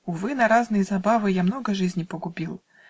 Увы, на разные забавы Я много жизни погубил!